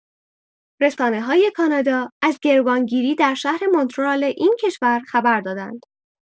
رسانه‌های کانادا از گروگانگیری در شهر مونترآل این کشور خبر دادند.